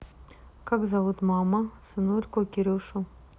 как зовут мама сынульку кирюшу